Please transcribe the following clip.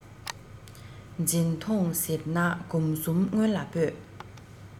འཛིང ཐོངས ཟེར ན གོམ གསུམ སྔོན ལ སྤོས